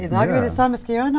i dag er vi i det samiske hjørnet.